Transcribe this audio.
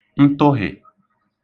ntụhị̀